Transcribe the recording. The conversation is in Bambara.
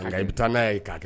An nka i bɛ taa n'a ye k'a kɛ